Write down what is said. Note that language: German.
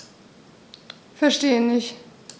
Verstehe nicht.